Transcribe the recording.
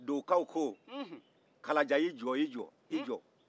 dokaw ko kalajan i jɔ i jɔ i jɔ